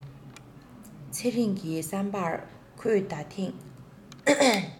ཚེ རིང གི བསམ པར ཁོས ད ཐེངས